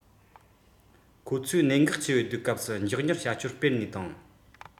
ཁོ ཚོས གནད འགག ཆེ བའི དུས སྐབས སུ མགྱོགས མྱུར བྱ སྤྱོད སྤེལ ནས དང